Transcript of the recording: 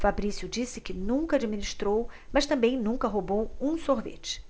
fabrício disse que nunca administrou mas também nunca roubou um sorvete